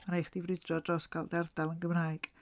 Ma' raid chdi frwydro dros gael dy ardal yn Gymraeg.